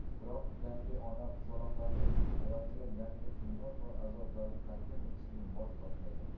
biroq yangi ona qizaloqlarning hayotiga yangi qiynoq va azoblarni taqdim etishdan bosh tortmaydi